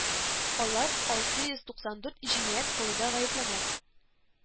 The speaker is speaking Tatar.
Алар алты йөз туксан дүрт җинаять кылуда гаепләнә